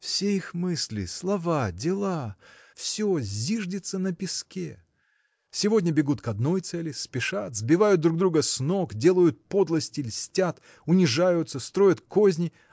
Все их мысли, слова, дела – все зиждется на песке. Сегодня бегут к одной цели спешат сбивают друг друга с ног делают подлости льстят унижаются строят козни